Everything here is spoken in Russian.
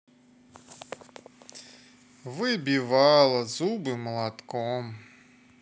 выбивала зубы молотком